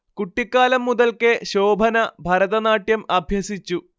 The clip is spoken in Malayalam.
കുട്ടിക്കാലം മുതൽക്കേ ശോഭന ഭരതനാട്യം അഭ്യസിച്ചു